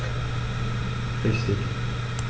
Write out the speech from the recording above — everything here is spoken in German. Richtig